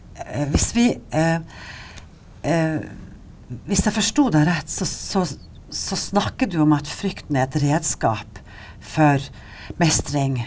hvis vi hvis jeg forsto deg rett så så så snakker du om at frykten er et redskap for mestring.